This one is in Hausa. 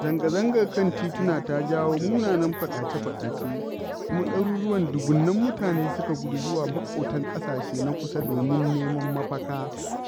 Zanga-zangar kan tituna ta jawo munanan faɗace-faɗace, kuma ɗaruruwan dubunnan mutane suka gudu zuwa maƙotan ƙasashe na kusa domin neman mafaka."